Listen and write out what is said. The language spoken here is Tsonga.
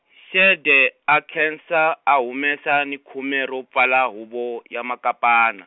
Xede a nkhensa a humesa ni khume ro pfala huvo ya Makapana.